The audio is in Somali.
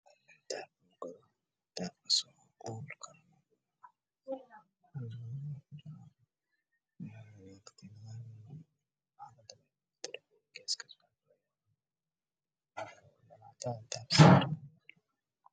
Waxaa ii muuqda dahab oo sanbolo laga xaba ah midabkiisa yahay madow waxa uu saaran yahay miiska ah